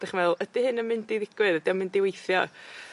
'dych chi meddwl ydi hyn yn mynd i ddigwydd 'dio'n mynd i weithio